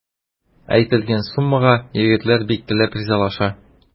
Әйтелгән суммага егетләр бик теләп ризалаша.